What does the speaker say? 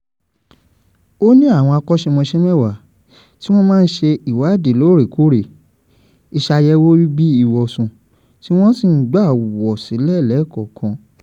Ó ní àwọn akọ́ṣẹmọṣẹ́ mẹ́wàá, tí wọ́n máa \n ṣe ìwádìí lóòrèkóòrè, ìṣàyẹ̀wò ibi ìwọ̀sùn tí wọ́n sì ń gbà wọ́n sílẹ̀ lẹ́ẹ̀kọ̀ọ̀kan.